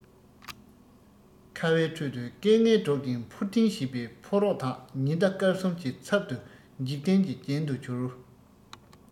ཁ བའི ཁྲོད དུ སྐད ངན སྒྲོག ཅིང འཕུར ལྡིང བྱེད བའི ཕོ རོག དག ཉི ཟླ སྐར གསུམ གྱི ཚབ ཏུ འཇིག རྟེན གྱི རྒྱན དུ གྱུར